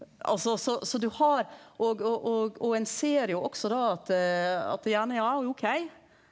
altså så så du har og og og og ein ser jo også da at at gjerne ja ok.